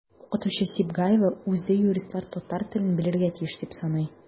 Укытучы Сибгаева үзе юристлар татар телен белергә тиеш дип саный.